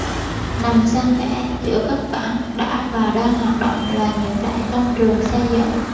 nằm xen kẽ giữa các cảng đã và đang hoạt động là những đại công trường xây dựng